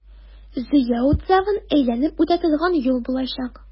Зөя утравын әйләнеп үтә торган юл булачак.